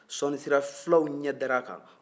sɔɔni sera fulaw ɲɛ dara a kan